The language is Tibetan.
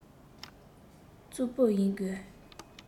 གཙང པོ ཡིན དགོས